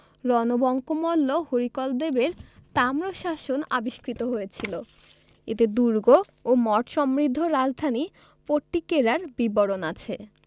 রণবঙ্কমল্ল হরিকলদেব এর তাম্রশাসন আবিষ্কৃত হয়েছিল এতে দুর্গ ও মঠ সমৃদ্ধ রাজধানী পট্টিকেরার বিবরণ আছে